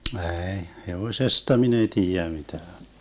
ei hevosesta minä ei tiedä mitään